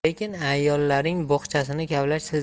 lekin ayollarning bo'xchasini kavlash